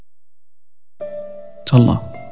الله